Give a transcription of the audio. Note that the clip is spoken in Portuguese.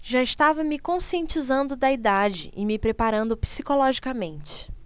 já estava me conscientizando da idade e me preparando psicologicamente